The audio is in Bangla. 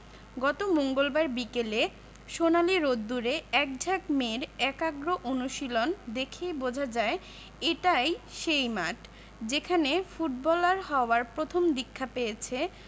গত মঙ্গলবার বিকেলে সোনালি রোদ্দুরে একঝাঁক মেয়ের একাগ্র অনুশীলন দেখেই বোঝা যায় এটাই সেই মাঠ যেখানে ফুটবলার হওয়ার প্রথম দীক্ষা পেয়েছে